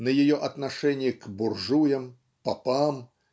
на ее отношение к "буржуям" "попам"